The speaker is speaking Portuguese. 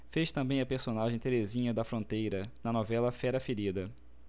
fez também a personagem terezinha da fronteira na novela fera ferida